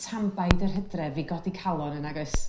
tanbaid yr Hydref i godi calon yn nag oes?